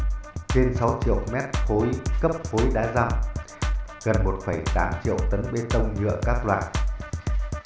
trên triệu m cấp phối đá dăm gần triệu tấn bê tông nhựa các loại